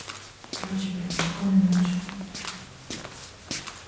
короче блин спокойной ночи